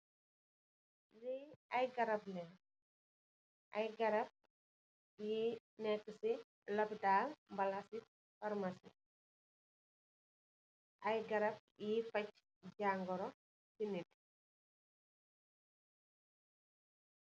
Ay garap yui nekka ci lopitan walla ci faramaci , ay garap yui fajj jangró ci nit.